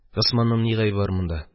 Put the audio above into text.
Госманның ни гаебе бар монда?